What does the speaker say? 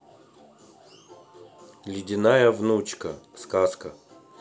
ледяная внучка сказка